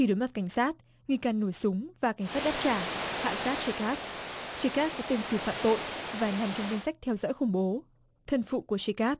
khi đối mặt cảnh sát nghi can nổ súng và cảnh sát đáp trả hạ sát xi cát xi cát có tiền sử phạm tội và nằm trong danh sách theo dõi khủng bố thân phụ của xi cát